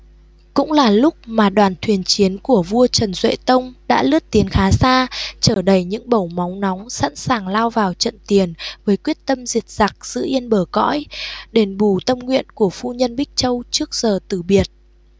cũng là lúc mà đoàn thuyền chiến của vua trần duệ tông đã lướt tiến khá xa chở đầy những bầu máu nóng sẵn sáng lao vào trận tiền với quyết tâm diệt giặc giữ yên bờ cõi đền bù tâm nguyện của phu nhân bích châu trước giờ tử biệt